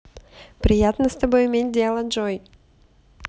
приятно с тобой иметь дело джой